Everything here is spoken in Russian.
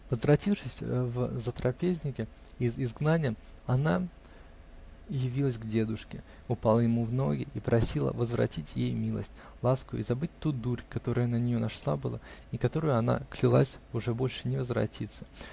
Возвратившись в затрапезке из изгнания, она явилась к дедушке, упала ему в ноги и просила возвратить ей милость, ласку и забыть ту дурь, которая на нее нашла было и которая, она клялась, уже больше не возвратится.